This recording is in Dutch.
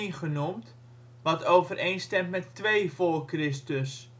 genoemd (wat overeenstemt met 1 voor Christus